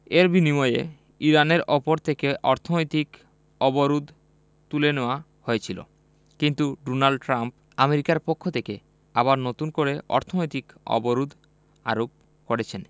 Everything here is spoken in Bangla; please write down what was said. এর বিনিময়ে ইরানের ওপর থেকে অর্থনৈতিক অবরোধ তুলে নেওয়া হয়েছিল কিন্তু ডোনাল্ড ট্রাম্প আমেরিকার পক্ষ থেকে আবার নতুন করে অর্থনৈতিক অবরোধ আরোপ করেছেন